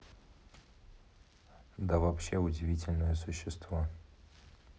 да вообще удивительное существо